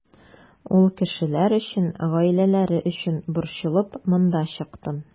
Ул кешеләр өчен, гаиләләре өчен борчылып монда чыктым.